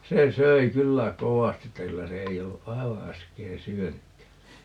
se söi kyllä kovasti että kyllä se ei ollut aivan äsken syönytkään